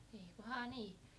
eiköhän niin